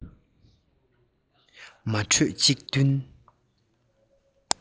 མ བགྲོས གཅིག མཐུན